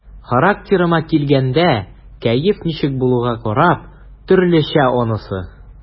Характерыма килгәндә, кәеф ничек булуга карап, төрлечә анысы.